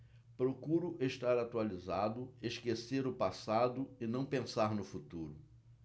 procuro estar atualizado esquecer o passado e não pensar no futuro